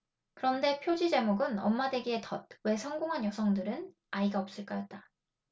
그런데 표지 제목은 엄마 되기의 덫 왜 성공한 여성들은 아이가 없을까였다